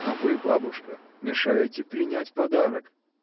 А вы, бабушка, мешаете принять подарок!